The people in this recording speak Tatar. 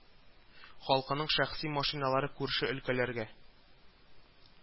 Халкының шәхси машиналары күрше өлкәләргә